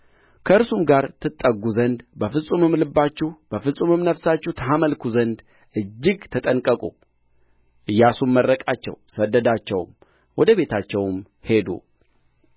ከእርሱም ጋር ትጠጉ ዘንድ በፍጹምም ልባችሁ በፍጹምም ነፍሳችሁ ታመልኩ ዘንድ እጅግ ተጠንቀቁ ኢያሱም መረቃቸው ሰደዳቸውም ወደ ቤታቸውም ሄዱ